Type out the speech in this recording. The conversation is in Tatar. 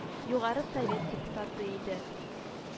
Югары Совет депутаты иде